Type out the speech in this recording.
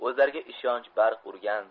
o'zlariga ishonch barq urgan